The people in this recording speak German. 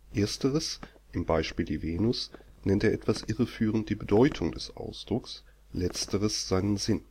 Ersteres (im Beispiel die Venus) nennt er etwas irreführend die „ Bedeutung “des Ausdrucks, letzteres seinen „ Sinn